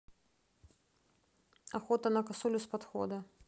охота на косулю с подхода